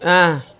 an